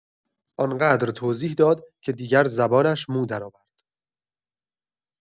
آن‌قدر توضیح داد که دیگر زبانش مو درآورد.